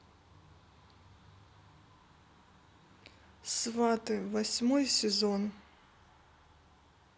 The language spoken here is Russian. сваты восьмой сезон